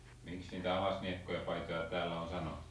miksi niitä alasniekkoja paitoja täällä on sanottu